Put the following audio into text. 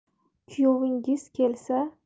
kuyovingiz kelsa